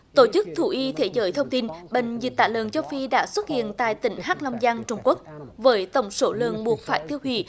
tổ chức thú y thế giới thông tin bệnh dịch tả lợn châu phi đã xuất hiện tại tỉnh hắc long giang trung quốc với tổng số lượng buộc phải tiêu hủy